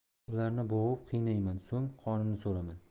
ularni bo'g'ib qiynayman so'ng qonini so'raman